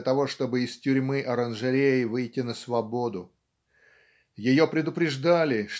для того чтобы из тюрьмы-оранжереи выйти на свободу. Ее предупреждали